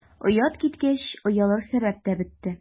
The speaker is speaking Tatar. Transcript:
Оят киткәч, оялыр сәбәп тә бетте.